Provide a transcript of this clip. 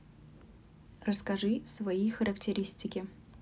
расскажи свои характеристики